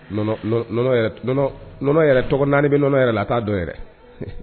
Ɔnɔɔnɔ nɔnɔ yɛrɛ tɔgɔ naani bɛ nɔnɔ yɛrɛ la a k'a dɔ yɛrɛ